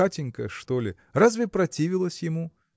Катенька, что ли, разве противилась ему?